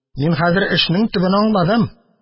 Мин хәзер эшнең төбен аңладым